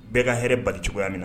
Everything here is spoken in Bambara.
Bɛɛ ka hɛrɛ bali cogoya min na